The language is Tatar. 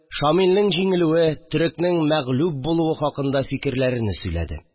Шамилнең җиңелүе, Төрекнең мәгълүб булуы хакында фикерләрене сөйләде